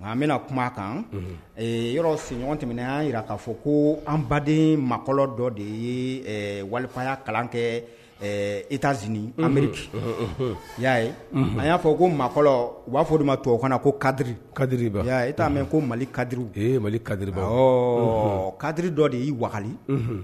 Nka an bɛna kuma a kan yɔrɔ senɲɔgɔn tɛmɛnɛna y'a jira k'a fɔ ko anbaden makɔlɔ dɔ de ye waliya kalan kɛ itaz anri y'a ye a y'a fɔ ko maakɔlɔ b'a fɔ olu ma to o kana na ko kadi kadiba e t'a mɛn ko mali kadi mali kadiba h kadiri dɔ de y'i wa